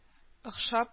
Охшап